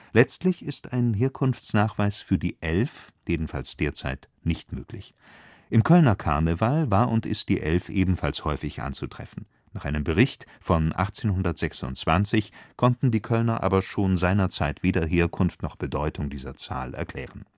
Letztlich ist ein Herkunftsnachweis für die „ Elf “– jedenfalls derzeit – nicht möglich. Im Kölner Karneval war und ist die „ 11 “ebenfalls häufig anzutreffen. Nach einem Bericht von 1826 konnten die Kölner aber schon seinerzeit weder Herkunft noch Bedeutung dieser Zahl erklären